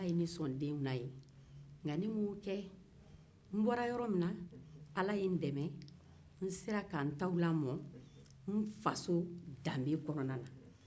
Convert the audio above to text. ala ye ne sɔn denw ne nka n ma u kɛ ala ye n dɛmɛ n sera ka n taw lamɔ n danbe kɔnɔna na